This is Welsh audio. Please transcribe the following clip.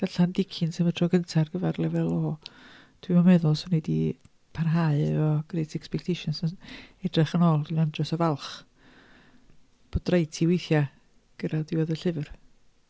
Darllen Dickens am y tro cyntaf ar gyfer Lefel O. Dwi'm yn meddwl swn i 'di parhau efo Great Expectations na sw-... Edrych yn ôl dwi'n andros o falch. Bod rhaid ti weithiau gyrraedd diwedd y llyfr.